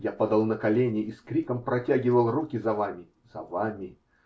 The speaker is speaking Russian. Я падал на колени и с криком протягивал руки за вами. за вами.